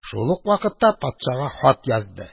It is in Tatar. Шул ук вакытта патшага хат язды.